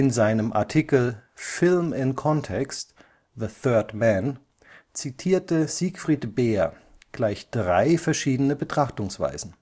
seinem Artikel Film in Context: The Third Man zitierte Siegfried Beer gleich drei verschiedene Betrachtungsweisen